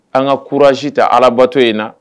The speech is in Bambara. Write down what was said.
An ka kuransi ta alabato in na